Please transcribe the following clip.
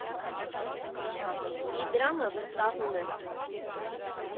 Իդրամը վստահում է։